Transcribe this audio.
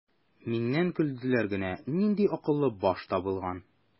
Миннән көлделәр генә: "Нинди акыллы баш табылган!"